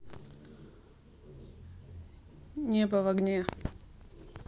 небо в огне